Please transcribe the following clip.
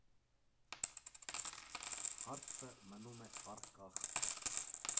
Հարցը մնում է առկախ։